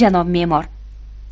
janob me'mor